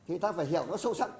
thì ta phải hiểu nó sâu sắc